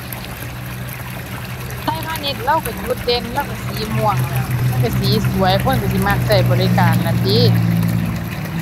ไทยพาณิชย์เลาก็จุดเด่นเลาก็สีม่วงแหล้ว มันก็สีสวย คนก็สิมักก็บริการล่ะติ